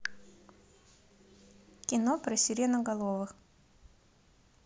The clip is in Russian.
кино про сиреноголовых